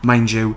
Mind you...